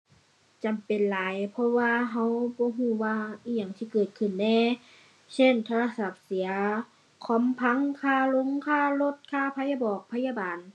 จำเป็นหลาย เพราะว่าเราบ่เราว่าอิหยังสิเกิดขึ้นแหน่ เช่น โทรศัพท์เสีย คอมพัง ค่ารงค่ารถ ค่าพยาบอกพยาบาล